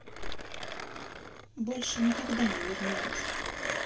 больше никогда не вернулась